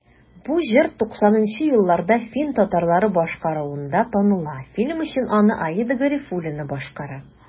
Бу җыр 90 нчы елларда фин татарлары башкаруында таныла, фильм өчен аны Аида Гарифуллина башкара.